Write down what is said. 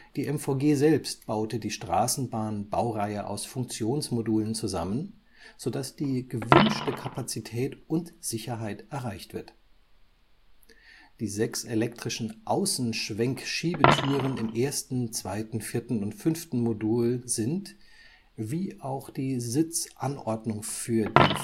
Die MVG selbst baute die Straßenbahnbaureihe aus Funktionsmodulen zusammen, so dass die gewünschte Kapazität und Sicherheit erreicht wird. Die sechs elektrischen Außenschwenkschiebetüren im ersten, zweiten, vierten und fünften Modul sind, wie auch die Sitzanordnung für den